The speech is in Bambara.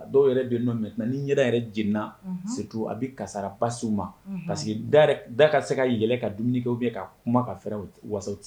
Dɔw yɛrɛ don dɔ min ni yɛrɛ yɛrɛ jna situ a bɛ karisara basiw ma parce da da ka se ka yɛlɛ ka dumunikɛ bɛ ye ka kuma ka fɛ waso cɛ